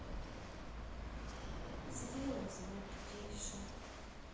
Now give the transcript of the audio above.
сделать звук тише